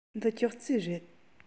འདི ཅོག ཙེ རེད